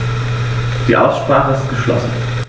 Die Aussprache ist geschlossen.